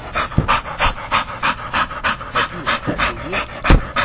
афина ты здесь